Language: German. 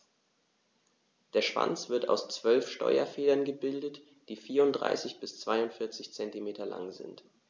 Der Schwanz wird aus 12 Steuerfedern gebildet, die 34 bis 42 cm lang sind.